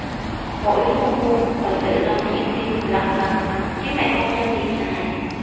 mỗi đứa một cuốn rồi tự lo chi tiêu lặt vặt chứ mẹ không cho tiền xài